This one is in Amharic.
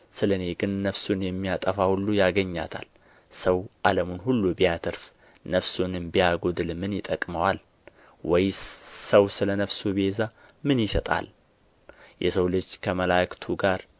ስለ እኔ ግን ነፍሱን የሚያጠፋ ሁሉ ያገኛታል ሰው ዓለሙን ሁሉ ቢያተርፍ ነፍሱንም ቢያጐድል ምን ይጠቅመዋል ወይስ ሰው ስለ ነፍሱ ቤዛ ምን ይሰጣል የሰው ልጅ ከመላእክቱ ጋር